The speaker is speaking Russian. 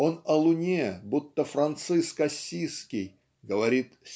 он о луне, будто Франциск Ассизский, говорит